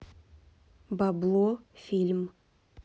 бабло фильм